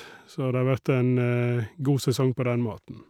Så det har vært en god sesong på den måten.